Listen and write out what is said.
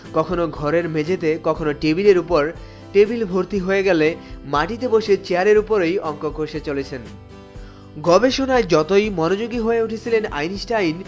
কখনো ঘরের মেঝেতে কখনো টেবিলের উপর টেবিল ভর্তি হয়ে গেলে মাটিতে বসে চেয়ারের উপরই অংক কষে চলেছেন গবেষণার যতই মনোযোগী হয়ে উঠেছিলেন আইনস্টাইন